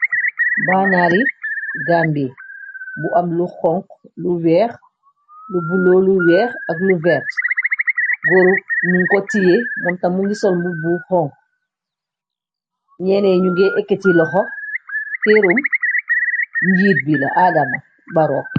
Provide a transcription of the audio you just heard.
bannaari gambe bu am lu xong lu weex lu bulo lu weex ak lu verte góru munco tiyé moomtamu ngi sol m bu hong gñeené ñu ga ekkati loxo téerum njiit bi la aadama baroox